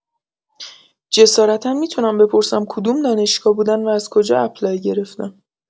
جسارتا می‌تونم بپرسم کدوم دانشگاه بودن و از کجا اپلای گرفتن؟